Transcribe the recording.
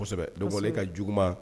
Len ka jugu ma